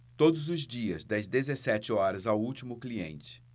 todos os dias das dezessete horas ao último cliente